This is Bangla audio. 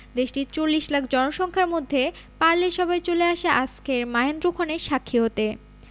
দেশটির ৪০ লাখ জনসংখ্যার মধ্যে পারলে সবাই চলে আসে আজকের মাহেন্দ্রক্ষণের সাক্ষী হতে